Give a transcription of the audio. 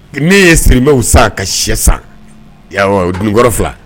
Ne ye siribaww san ka si san dunkɔrɔ fila